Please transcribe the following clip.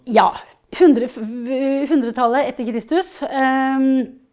ja 100 hundretallet etter Kristus .